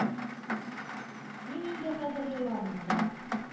Мин инде хәзер еламыйм да.